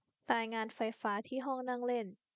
รายงานไฟฟ้าที่ห้องนั่งเล่น